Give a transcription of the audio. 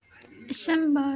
ishim bor